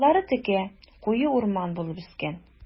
Ярлары текә, куе урман булып үскән.